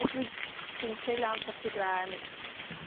y grŵp ti'n treulio amser ti gyda'n